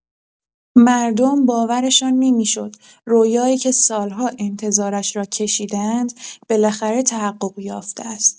مردم باورشان نمی‌شد رؤیایی که سال‌ها انتظارش را کشیده‌اند، بالاخره تحقق یافته است.